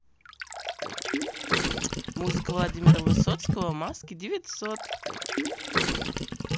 музыка владимира высоцкого маски девятьсот